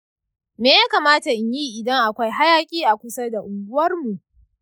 me ya kamata in yi idan akwai hayaƙi a kusa da unguwarmu?